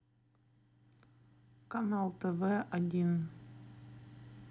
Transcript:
канал тв один